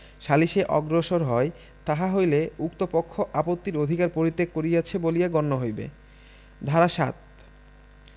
সালিসে অগ্রসর হয় তাহা হইলে উক্ত পক্ষ আপত্তির অধিকার পরিত্যাগ করিয়াছে বলিয়া গণ্য হইবে ধারা ৭